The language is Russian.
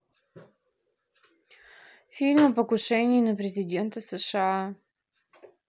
фильм о покушении на президента сша